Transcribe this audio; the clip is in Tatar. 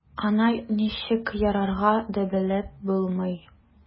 Аңа ничек ярарга да белеп булмый.